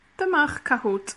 Dyma'ch Cahoot.